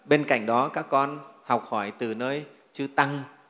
bên cạnh đó các con học hỏi từ nơi chư tăng